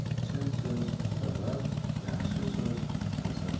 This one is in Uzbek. chin so'z mo'tabar yaxshi so'z muxtasar